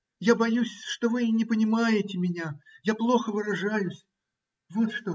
Я. боюсь, что вы не понимаете меня: я плохо выражаюсь. Вот что